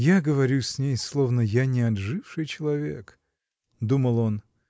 "Я говорю с ней, словно я не отживший человек", -- думал он.